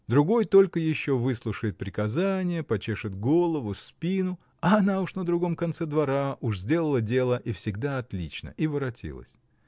Другой только еще выслушает приказание, почешет голову, спину, а она уж на другом конце двора, уж сделала дело, и всегда отлично, и воротилась.